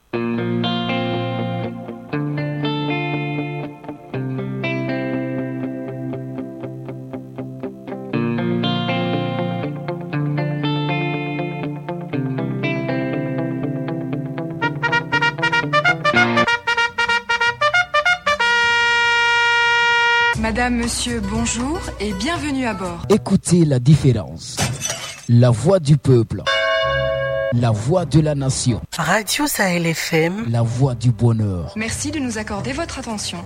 Madabonsf e kuu te ladi fɛ lawaji boyep lafwala nasi fatisa yɛlɛ fɛn lawadi bɔn mɛ sidi